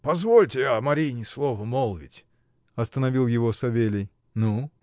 — Позвольте о Марине слово молвить! — остановил его Савелий. — Ну?